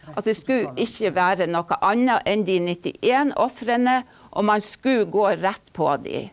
altså det skulle ikke være noe anna enn de 91 ofrene og man skulle gå rett på de.